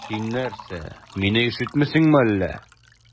Син нәрсә, мине ишетмисеңме әллә?